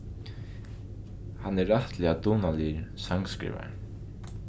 hann er rættiliga dugnaligur sangskrivari